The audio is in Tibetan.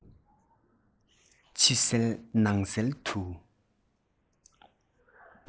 ཕྱི གསལ ནང གསལ དུ